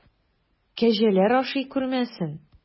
Кәҗәләр ашый күрмәсен!